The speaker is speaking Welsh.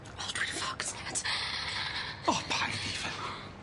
Wel dwi'n ffyced Ned. O paid even...